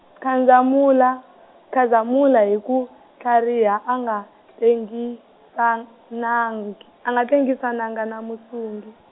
Khazamula Khazamula hiku tlhariha a nga , tengisan- -nangi a nga tengisanangi na Masungi.